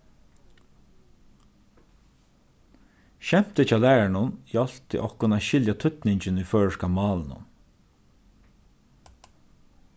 skemtið hjá læraranum hjálpti okkum at skilja týdningin í føroyska málinum